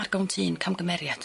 Ar gawnt un camgymeriad.